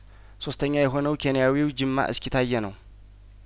ሶስተኛ የሆነው ኬንያዊው ጂማ እስኪ ታዬ ነው